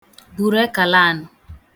bùru ekalaànụ